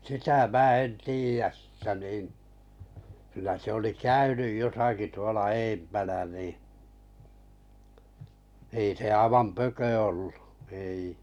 sitä minä en tiedä sitä niin kyllä se oli käynyt jossakin tuolla edempänä niin ei se aivan pökö ollut ei